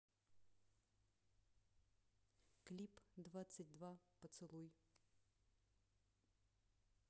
клип двадцать два поцелуй